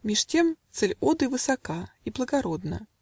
Меж тем цель оды высока И благородна.